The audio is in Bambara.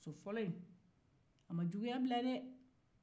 muso fɔlɔ in a ma juguya bila dɛɛ